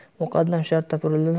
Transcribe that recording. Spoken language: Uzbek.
muqaddam shartta burildi da